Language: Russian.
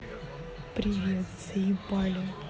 привет заебали